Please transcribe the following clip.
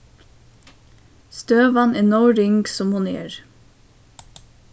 støðan er nóg ring sum hon er